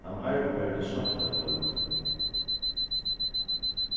hann arbeiðir til seint á kvøldi